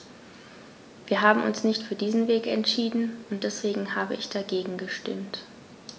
Wir haben uns nicht für diesen Weg entschieden, und deswegen habe ich dagegen gestimmt.